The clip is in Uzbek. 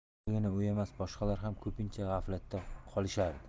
birgina u emas boshqalar ham ko'pincha g'aflatda qolishardi